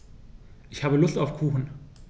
Ich habe Lust auf Kuchen.